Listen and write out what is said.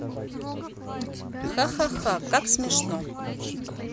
ха ха ха как смешно